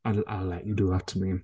I'll I'll let you do that to me.